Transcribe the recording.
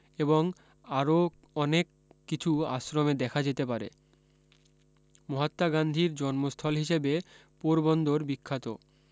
এবং আরো অনেক কিছু আশ্রমে দেখা যেতে পারে মহাত্মা গান্ধীর জন্মস্থল হিসেবে পোরবন্দর বিখ্যাত